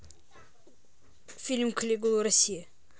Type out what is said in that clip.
фильм калигула россия